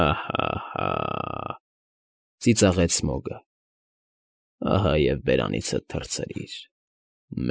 Հա՛֊հա՛֊հա՛,֊ ծիծաղեց Սմոգը։ ֊ Ահա և բերանիցդ թռցրիր։